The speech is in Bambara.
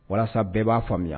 Walasa bɛɛ b'a faamuya